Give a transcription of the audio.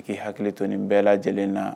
I k'i hakili tɔnin bɛɛ lajɛlen na